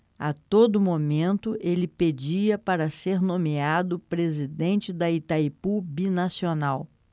a todo momento ele pedia para ser nomeado presidente de itaipu binacional